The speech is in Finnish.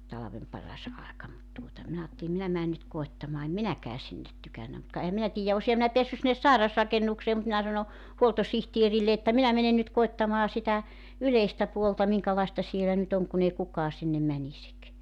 talven paras aika mutta tuota minä ajattelin minä menen nyt koettamaan en minäkään sinne tykännyt mutta ka enhän minä tiedä olisinhan minä päässyt sinne sairasrakennukseen mutta minä sanoin huoltosihteerille että minä menen nyt koettamaan sitä yleistä puolta minkälaista siellä nyt on kun ei kukaan sinne menisi